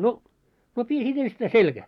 no no piti sitten ensittäin selkään